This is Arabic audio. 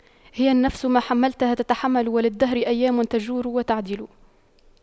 هي النفس ما حَمَّلْتَها تتحمل وللدهر أيام تجور وتَعْدِلُ